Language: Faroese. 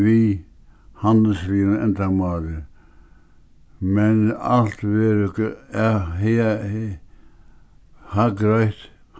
við handilsligum endamáli men alt verður hagreitt